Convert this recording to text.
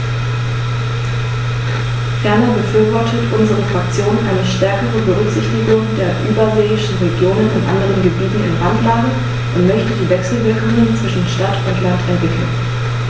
Ferner befürwortet unsere Fraktion eine stärkere Berücksichtigung der überseeischen Regionen und anderen Gebieten in Randlage und möchte die Wechselwirkungen zwischen Stadt und Land entwickeln.